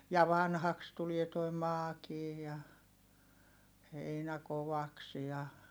ja vanhaksi tulee tuo maakin ja heinä kovaksi ja